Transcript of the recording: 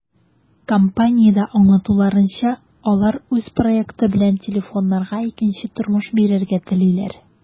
Компаниядә аңлатуларынча, алар үз проекты белән телефоннарга икенче тормыш бирергә телиләр.